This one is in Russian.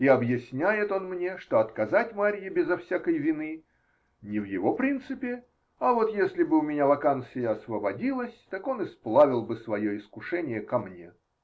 И объясняет он мне, что отказать Марье безо всякой вины -- не в его принципе, а вот если бы у меня вакансия освободилась, так он и сплавил бы свое искушение ко мне.